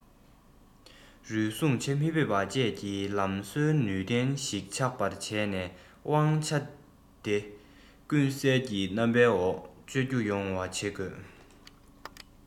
རུལ སུངས བྱེད མི ཕོད པ བཅས ཀྱི ལམ སྲོལ ནུས ལྡན ཞིག ཆགས པར བྱས ནས དབང ཆ དེ ཀུན གསལ གྱི རྣམ པའི འོག སྤྱོད རྒྱུ ཡོང བ བྱེད དགོས